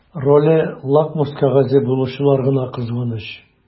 Роле лакмус кәгазе булучылар гына кызганыч.